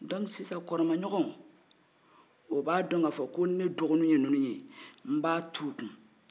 dɔnki sisan kɔrɔmaɲɔgɔw o b'a dɔn ka fɔ ko